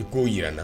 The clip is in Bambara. I'o jira na